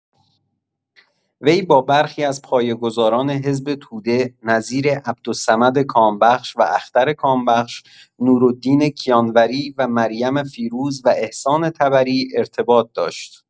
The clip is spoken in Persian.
وی با برخی از پایه‌گذاران حزب توده نظیر عبدالصمد کامبخش و اختر کامبخش، نورالدین کیانوری و مریم فیروز و احسان طبری ارتباط داشت.